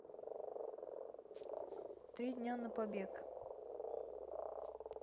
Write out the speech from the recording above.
три дня на побег